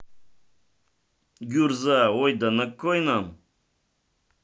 гюрза ой да на кой нам